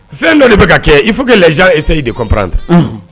Fɛn dɔ de bɛ ka kɛ i fo ka lajɛ eseyi de kɔnpranta